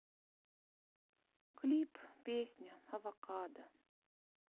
клип песня авокадо